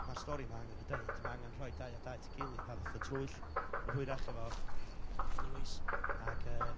mae'r stori mae angen ei ddeud, mae angen rhoi dau a dau at ei gilydd, a ddoth Y Twyll yn hwyrach efo Gwyn Lewis, ac yy,